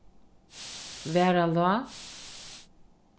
varðalág